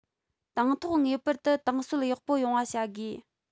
དང ཐོག ངེས པར དུ ཏང སྲོལ ཡག པོ ཡོང བ བྱ དགོས